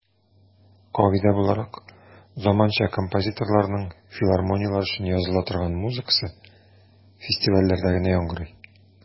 Кагыйдә буларак, заманча композиторларның филармонияләр өчен языла торган музыкасы фестивальләрдә генә яңгырый.